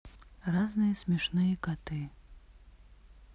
разные смешные коты